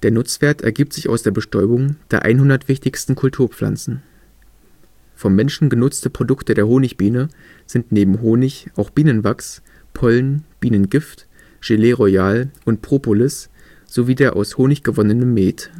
Nutzwert ergibt sich aus der Bestäubung der 100 wichtigsten Kulturpflanzen. Vom Menschen genutzte Produkte der Honigbiene sind neben Honig auch Bienenwachs, Pollen, Bienengift, Gelée Royale und Propolis sowie der aus Honig gewonnene Met